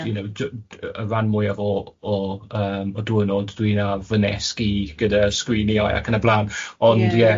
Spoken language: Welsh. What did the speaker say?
...you know j- yy y ran mwyaf o o yym o diwrnod dwi'n ar fy nesg i gyda sgriniau ac yn y blaen... Ia.